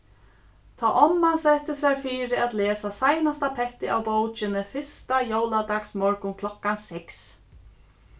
tá omman setti sær fyri at lesa seinasta pettið av bókini fyrsta jóladagsmorgun klokkan seks